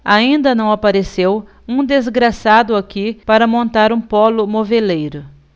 ainda não apareceu um desgraçado aqui para montar um pólo moveleiro